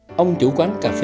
ông chủ quán cà phê